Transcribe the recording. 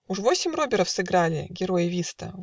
Уж восемь робертов сыграли Герои виста